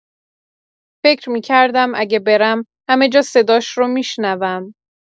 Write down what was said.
فکر می‌کردم اگه برم، همه‌جا صداش رو می‌شنوم.